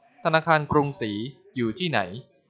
ธนาคารกรุงศรีอยู่ที่ไหน